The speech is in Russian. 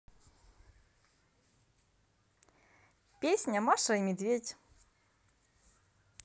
песня маша и медведь